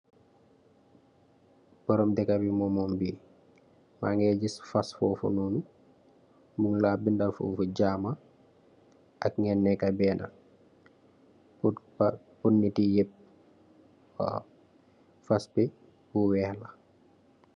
Borom dekabi momom bii, Mangee giss fass fofu nonu, Munglaa bindal fofu jaama ak ngeen neka bena, Pur niti yep waaw, fass bi bu weeh la.